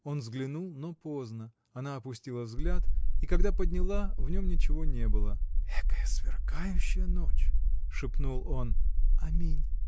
Он взглянул, но поздно: она опустила взгляд, и когда подняла, в нем ничего не было. — Экая сверкающая ночь! — шепнул он. — Аминь!